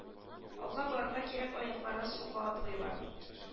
Алга барырга кирәк аяклары сулга атлыйлар